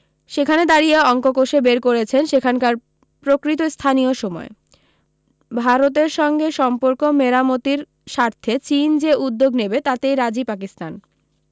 সেখানে দাঁড়িয়ে অঙ্ক কষে বের করেছেন সেখানকার প্রকৃত স্থানীয় সময় ভারোতের সঙ্গে সম্পর্ক মেরামতির স্বার্থে চীন যে উদ্যোগ নেবে তাতেই রাজি পাকিস্তান